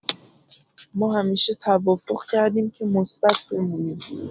ما همیشه توافق کردیم که مثبت بمونیم.